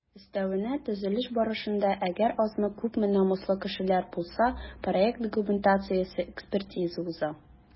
Өстәвенә, төзелеш барышында - әгәр азмы-күпме намуслы кешеләр булса - проект документациясе экспертиза уза.